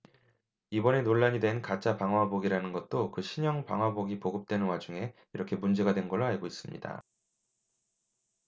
이번에 논란이 된 가짜 방화복이라는 것도 그 신형 방화복이 보급되는 와중에 이렇게 문제가 된 걸로 알고 있습니다